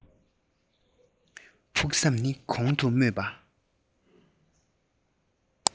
ཕུགས བསམ ནི གོང དུ སྨོས པ